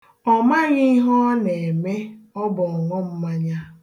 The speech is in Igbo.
Ọ maghị ihe ọ na-eme, ọ bụ ọṅụmmanya